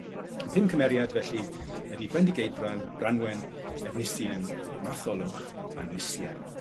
Y pum cymeriad felly ydi Bendigeidfran Branwen Efnisien Matholwch a Nisien.